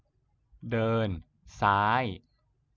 เดินซ้าย